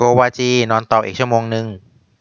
โกวาจีนอนต่ออีกชั่วโมงนึง